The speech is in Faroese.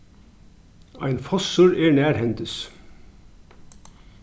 ein fossur er nærhendis